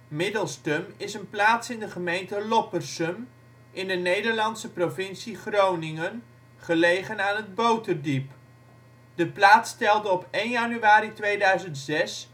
Middelsom) is een plaats in de gemeente Loppersum in de Nederlandse provincie Groningen, gelegen aan het Boterdiep. De plaats telde op 1 januari 2006 2419